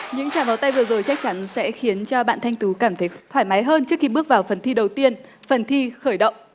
những tràng pháo tay vừa rồi chắc chắn sẽ khiến cho bạn thanh tú cảm thấy thoải mái hơn trước khi bước vào phần thi đầu tiên phần thi khởi động